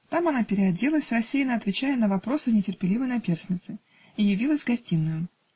Там она переоделась, рассеянно отвечая на вопросы нетерпеливой наперсницы, и явилась в гостиную.